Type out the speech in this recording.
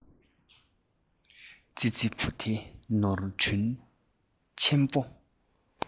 ཙི ཙི ཕོ དེ ནོར འཁྲུལ ཆེན པོ